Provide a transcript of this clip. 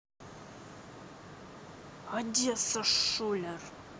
одесса шуллер